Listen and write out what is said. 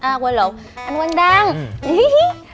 a quên lộn anh quang đăng hí hí